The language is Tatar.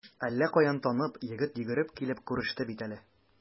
Әллә каян танып, егет йөгереп килеп күреште бит әле.